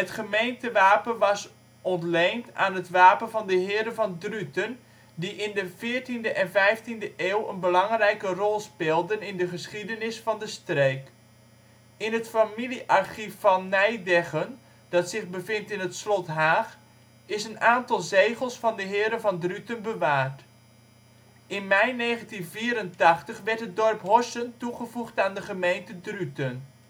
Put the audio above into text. gemeentewapen was ontleend aan het wapen van de heren van Druten, die in de 14e en 15e eeuw een belangrijke rol speelden in de geschiedenis van de streek. In het familiearchief van Nijdeggen, dat zich bevindt in het slot Haag, is een aantal zegels van de heren van Druten bewaard. In mei 1984 werd het dorp Horssen toegevoegd aan de gemeente Druten